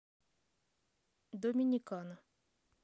доминикана